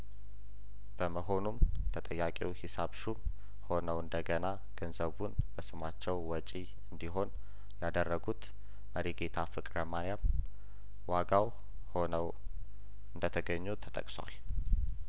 በመሆኑም ተጠያቂው ሂሳብ ሹም ሆነው እንደገና ገንዘቡን በስማቸው ወጪ እንዲሆን ያደረጉት መሪጌታ ፍቅረ ማርያም ዋጋው ሆነው እንደተገኙ ተጠቅሷል